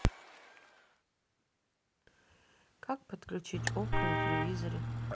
как подключить окко на телевизоре